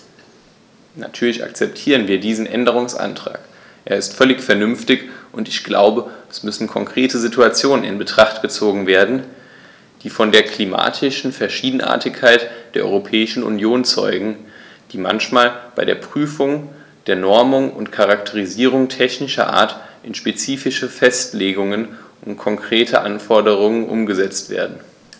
Natürlich akzeptieren wir diesen Änderungsantrag, er ist völlig vernünftig, und ich glaube, es müssen konkrete Situationen in Betracht gezogen werden, die von der klimatischen Verschiedenartigkeit der Europäischen Union zeugen, die manchmal bei der Prüfung der Normungen und Charakterisierungen technischer Art in spezifische Festlegungen und konkrete Anforderungen umgesetzt werden.